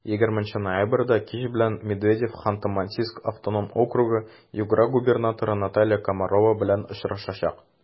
20 ноябрьдә кич белән медведев ханты-мансийск автоном округы-югра губернаторы наталья комарова белән очрашачак.